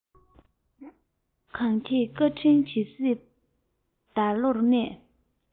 གང ཁྱེད བཀའ དྲིན ཇི སྲིད བདག བློར གནས